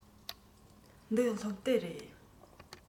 འདི སློབ དེབ རེད